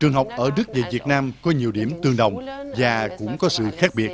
trường học ở đức về việt nam có nhiều điểm tương đồng và cũng có sự khác biệt